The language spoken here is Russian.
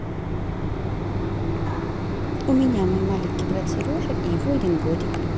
у меня мой маленький брат сережа и его один годик